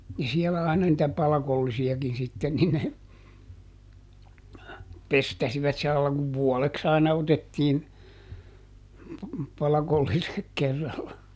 ja siellä aina niitä palkollisiakin sitten niin ne pestasivat sillä lailla kun vuodeksi aina otettiin palkolliset kerralla